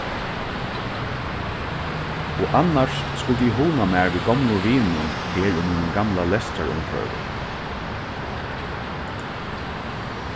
og annars skuldi eg hugna mær við gomlum vinum her í mínum gamla lestrarumhvørvi